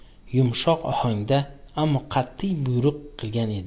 yumshoq ohangda ammo qat'iy bo'yruk qilgan edi